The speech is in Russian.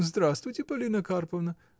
— Здравствуйте, Полина Карповна!